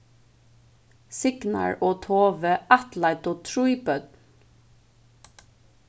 signar og tove ættleiddu trý børn